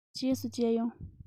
རྗེས སུ མཇལ ཡོང